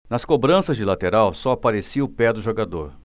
nas cobranças de lateral só aparecia o pé do jogador